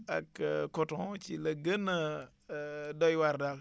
ak coton ci la gën a doy waar daal